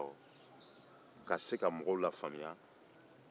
ka se ka mɔgɔw lafaamuya